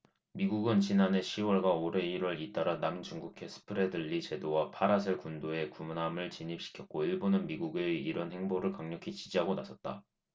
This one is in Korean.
미국은 지난해 시 월과 올해 일 월 잇달아 남중국해 스프래틀리 제도와 파라셀 군도에 군함을 진입시켰고 일본은 미국의 이런 행보를 강력히 지지하고 나섰다